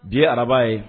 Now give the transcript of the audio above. Di ye araba ye